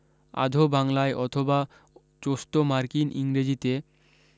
আধো বাংলায় অথবা চোস্ত মার্কিন ইংরেজিতে